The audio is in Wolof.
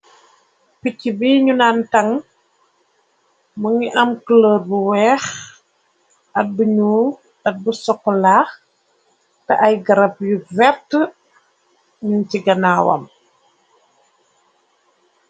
Picc bi ñu naan taŋ më ngi am clër bu nul bu weex at bu sokolaax te ay garab yu vert ñun ci ganaawam.